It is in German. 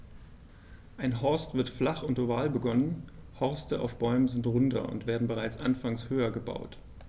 Ein Horst wird flach und oval begonnen, Horste auf Bäumen sind runder und werden bereits anfangs höher gebaut.